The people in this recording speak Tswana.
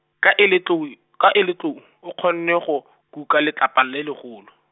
ka e le tlou, ka e le tlou, o kgonne go, kuka letlapa le legolo.